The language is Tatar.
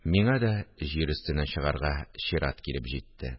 Миңа да җир өстенә чыгарга чират килеп җитте